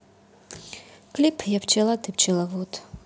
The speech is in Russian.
клип я пчела ты пчеловод